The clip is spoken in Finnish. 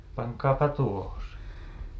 pankaapa tuohon se